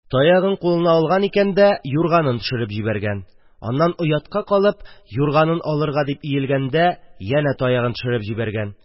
Таягын кулына алган икән дә, юрганын төшереп җибәргән, аннан, оятка калып, юрганын алырга дип иелгәндә, янә таягын төшереп җибәргән